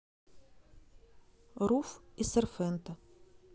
рув и серфенто